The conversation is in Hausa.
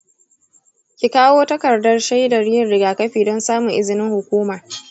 ki kawo takardar shaidar yin rigakafi don samun izinin hukuma.